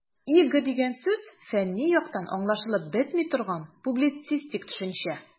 "иго" дигән сүз фәнни яктан аңлашылып бетми торган, публицистик төшенчә.